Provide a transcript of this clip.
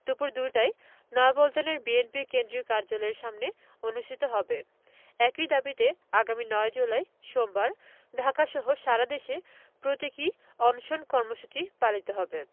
দুপুর দুইটায় নয়াপল্টনের বিএনপি কেন্দ্রীয় কার্যালয়ের সামনে অনুষ্ঠিত হবে একই দাবিতে আগামী ৯ জুলাই সোমবার ঢাকাসহ সারাদেশে প্রতীকী অনশন কর্মসূচি পালিত হবে